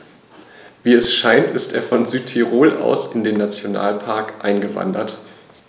Wie es scheint, ist er von Südtirol aus in den Nationalpark eingewandert.